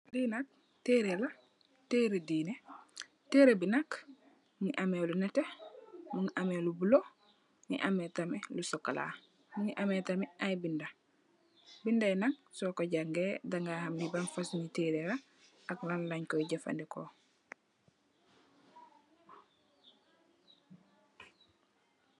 Li nak teereh la, teereh deeni, tereeh bi nak, mungi ameh lu nètè, mungi ameh lu bulo, mungi ameh tamit lu sokola, mungi ameh tamit ay binda. Binda yi nak soko jàngay daga ham li ban fasungi tereeh la ak lan leen koy jafadeko.